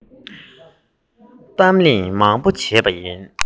གཏམ གླེང མང པོ བྱས པ ཡིན